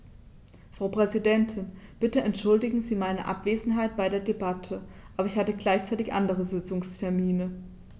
Frau Präsidentin, bitte entschuldigen Sie meine Abwesenheit bei der Debatte, aber ich hatte gleichzeitig andere Sitzungstermine.